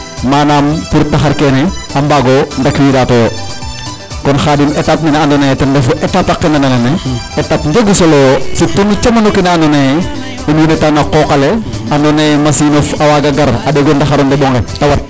Manaam pour taxar kene a mbaag o ndakwiida to kon Khadim étape nen andoona yee ten ref étape a qemban alene étape njegu solo yo surtout no camano kene andna yee in way ndeta na qooq ale andoona yee machine of a waaga gar a ɗeg o ndaxar o ndeɓ onqe ta wat.